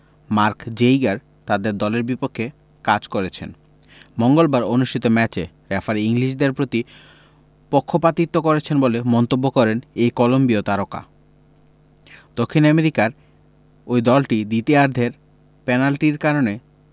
mark Geiger তাদের দলের বিপক্ষে কাজ করেছেন মঙ্গলবার অনুষ্ঠিত ম্যাচে রেফারি ইংলিশদের প্রতি পক্ষপাতিত্ব করেছেন বলেও মন্তব্য করেন এই কলম্বিয় তারকা দক্ষিণ আমেরিকার ওই দলটি দ্বিতীয়ার্ধের পেনাল্টির কারণে